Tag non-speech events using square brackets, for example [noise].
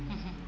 [hesitation] [hesitation]